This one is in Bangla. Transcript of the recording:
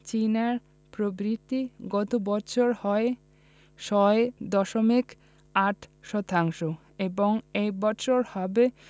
চীনের প্রবৃদ্ধি গত বছর হয় ৬.৮ শতাংশ এবং এ বছর হবে